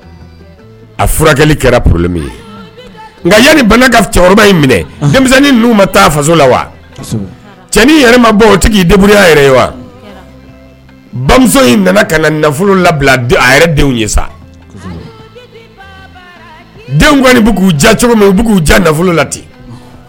A furakɛli kɛra porole ye nka yanni bana ka cɛkɔrɔba in minɛ denmisɛnninnin ninnu ma taa faso la wa cɛnin yɛrɛ bɔ o tigi i daburuya yɛrɛ ye wa ba in nana ka na nafolo labila a yɛrɛ denw ye sa kɔni k'u ja cogo min u b k'u ja nafolo la ten